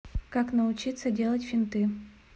как научиться делать финты